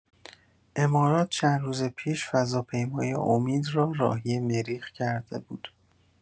امارات چند روز پیشتر فضاپیمای «امید» را راهی مریخ کرده بود.